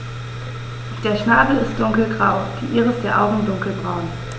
Der Schnabel ist dunkelgrau, die Iris der Augen dunkelbraun.